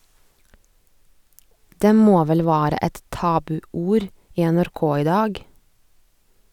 - Det må vel være et tabuord i NRK i dag?